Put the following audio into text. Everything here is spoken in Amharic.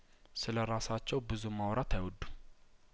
ስለራሳቸው ብዙ ማውራት አይወዱም